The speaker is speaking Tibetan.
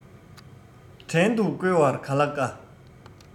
བྲན དུ བཀོལ བར ག ལ དཀའ